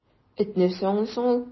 Эт нәрсә аңлый соң ул!